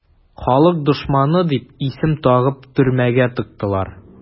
"халык дошманы" дип исем тагып төрмәгә тыктылар.